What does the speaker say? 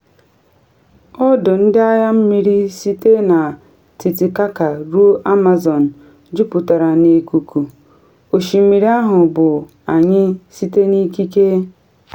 Ọdụ ndị agha mmiri site na Titicaca ruo Amazon juputara na ekuku: “Osimiri ahụ bụ anyị site n’ikike.